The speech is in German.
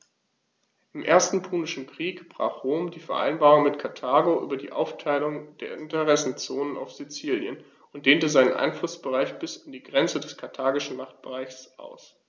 Im Ersten Punischen Krieg brach Rom die Vereinbarung mit Karthago über die Aufteilung der Interessenzonen auf Sizilien und dehnte seinen Einflussbereich bis an die Grenze des karthagischen Machtbereichs aus.